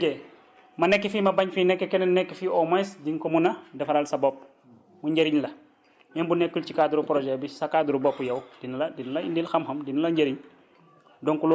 bu ëllëgee ma nekk fi ma bañ fi nekk keneen nekk fi au moins di nga ko mën a defaral sa bopp mu njëriñ la même bu nekkul ci cadre projet bi sa cadre bopp yow dina la dina la indil xam-xam dina la njëriñ